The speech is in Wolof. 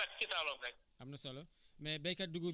voilà dàq rek man dama leen ne dàq leen rek